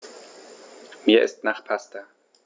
Mir ist nach Pasta.